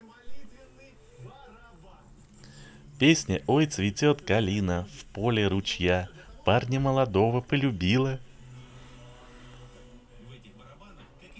песня ой цветет калина в поле ручья парня молодого полюбила